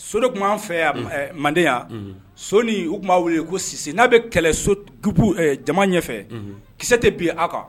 So dɔ kun ban fɛ yan ɛ manden yan so nin u kun ba wele ko Sise. Na kun bɛ kɛlɛ so jama ɲɛfɛ kisɛ tɛ bin a kan